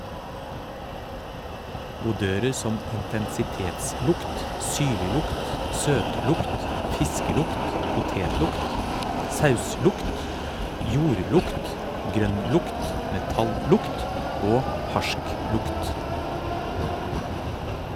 Odører som intensitetslukt, syrliglukt, søtlukt, fiskelukt, potetlukt, sauslukt, jordlukt, grønnlukt, metallukt og harsklukt.